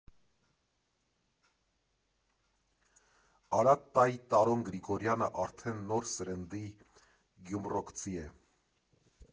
Արատտայի Տարոն Գրիգորյանը արդեն նոր սերնդի գյումռոքցի է։